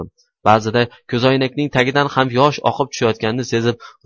ba'zida ko'zoynakning tagidan ham yosh oqib tushayotganini sezib